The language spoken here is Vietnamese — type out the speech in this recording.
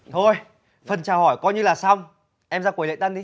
thôi phần chào hỏi coi như là xong em ra quầy lễ tân đi